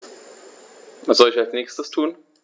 Was soll ich als Nächstes tun?